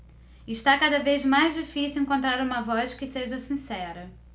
está cada vez mais difícil encontrar uma voz que seja sincera